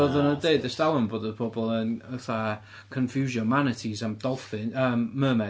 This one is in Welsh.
Oedden nhw'n dweud erstalwm bod y pobl yn fatha conffiwsio manatees am dolffin- yy mermaids.